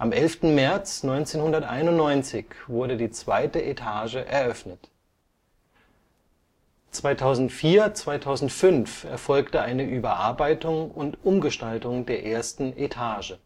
11. März 1991 wurde die zweite Etage eröffnet. 2004/05 erfolgte eine Überarbeitung und Umgestaltung der ersten Etage